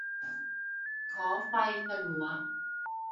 ขอไฟสลัว